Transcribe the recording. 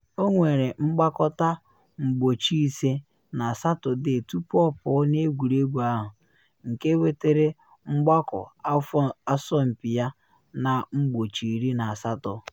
Ọ nwere mgbakọta mgbochi ise na Satọde tupu ọ pụọ n’egwuregwu ahụ, nke wetere mgbakọ afọ asọmpi ya na mgbochi 18.